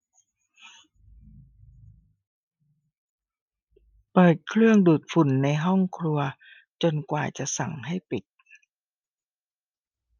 เปิดเครื่องดูดฝุ่นในห้องครัวจนกว่าจะสั่งให้ปิด